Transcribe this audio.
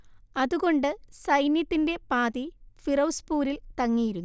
അതുകൊണ്ട് സൈന്യത്തിന്റെ പാതി ഫിറോസ്പൂരിൽ തങ്ങിയിരുന്നു